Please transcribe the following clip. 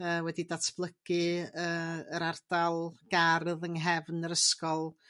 yy wedi datblygu yy yr ardal gardd yng nghefn yr ysgol.